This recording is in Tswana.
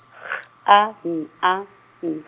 G A N A N.